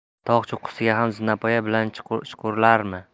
tog' cho'qqisiga ham zinapoya bilan chiqurlarmi